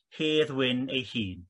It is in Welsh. Hedd Wyn ei hun.